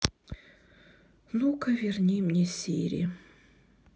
ну ка верни мне сири